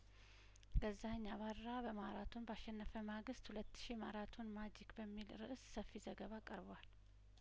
ገዛኸኝ አባራ በማራቶን ባሸነፈ ማግስት ሁለት ሺ ማራቶን ማጂክ በሚል ርእስ ሰፊ ዘገባ ቀርቧል